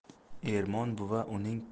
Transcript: ermon buva uning